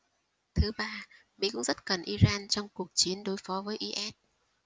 thứ ba mỹ cũng rất cần iran trong cuộc chiến đối phó với i s